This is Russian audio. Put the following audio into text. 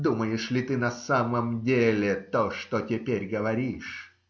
Думаешь ли ты на самом деле то, что теперь говоришь?